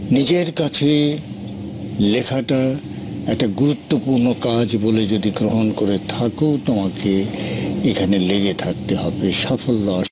নিজের কাছে লেখাটা একটা গুরুত্বপূর্ণ কাজ বলে যদি গ্রহণ করে থাকো তোমাকে এখানে লেগে থাকতে হবে সাফল্য